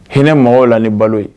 Hinɛ mɔgɔw la ni balo ye.